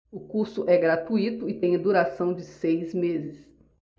o curso é gratuito e tem a duração de seis meses